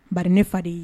Ba ne fa de ye